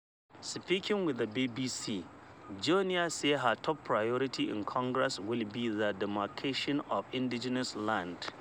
Speaking with the BBC, Joenia says her top priority in Congress will be the demarcation of indigenous lands.